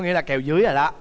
nghĩa là kèo dưới rồi đó